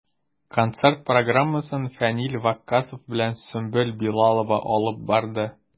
Концерт программасын Фәнил Ваккасов белән Сөмбел Билалова алып барды.